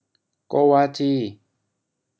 โกวาจี